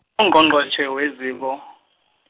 Ungqongqotjhe Weziko- .